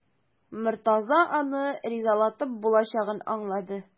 Мортаза аны ризалатып булачагын аңлады.